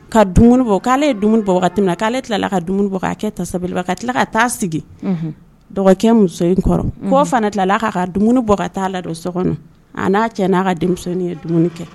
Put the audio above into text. Ka dum bɔ k'ale ye dum bɔ ka k'ale tilala ka dum bɔ' kɛ ta sabali ka tilala ka taa sigi dɔgɔkɛ muso in kɔrɔ k' fana tilala kaa ka dum bɔ ka taa la don so kɔnɔ a n'a cɛ n'a ka denmisɛnninnin ye dumuni kɛ